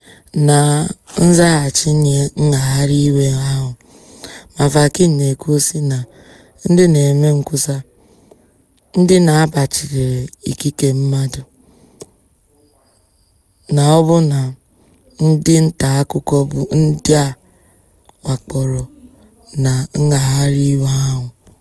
Na nzaghachi nye ngagharị iwe ahụ, Mamfakinch na-ekwu sị na ndị na-eme nkwusa, ndị na-agbachitere ikike mmadụ na ọbụna ndị nta akụkọ bụ ndị a wakporo na ngagharị iwe ahụ.